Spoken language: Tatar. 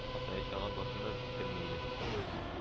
Атаячагын башына да китерми иде